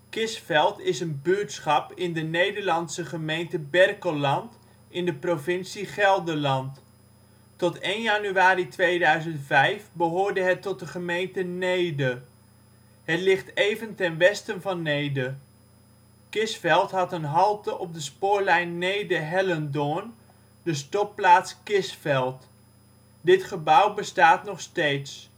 Kisveld is een buurtschap in de Nederlandse gemeente Berkelland in de provincie Gelderland. Tot 1 januari 2005 behoorde het tot de gemeente Neede. Het ligt even ten westen van Neede. Kisveld had een halte op de Spoorlijn Neede - Hellendoorn, de Stopplaats Kisveld. Dit gebouw bestaat nog steeds